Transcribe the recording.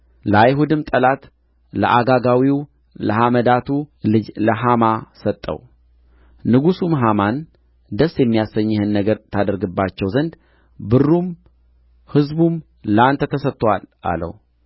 ለአይሁድም ጠላት ለአጋጋዊው ለሐመዳቱ ልጅ ለሐማ ሰጠው ንጉሡም ሐማን ደስ የሚያሰኝህን ነገር ታደርግባቸው ዘንድ ብሩም ሕዝቡም ለአንተ ተሰጥቶሃል አለው